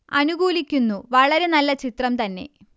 അനുകൂലിക്കുന്നു വളരെ നല്ല ചിത്രം തന്നെ